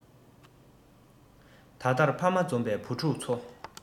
ད ལྟར ཕ མ འཛོམས པའི ཕྲུ གུ ཚོ